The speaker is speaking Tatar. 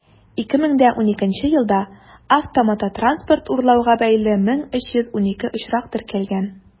2012 елда автомототранспорт урлауга бәйле 1312 очрак теркәлгән.